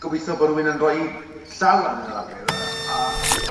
gobeitho bo' rywun yn roi 'i llaw lan yn yr awyr yy a